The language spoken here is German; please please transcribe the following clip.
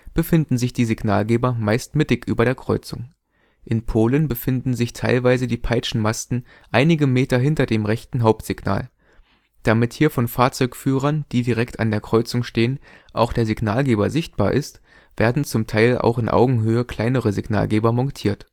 befinden sich die Signalgeber meist mittig über der Kreuzung. In Polen befinden sich teilweise die Peitschenmasten einige Meter hinter dem rechten Hauptsignal. Damit hier von Fahrzeugführern, die direkt an der Kreuzung stehen, auch der Signalgeber sichtbar ist, werden zum Teil auch in Augenhöhe kleinere Signalgeber montiert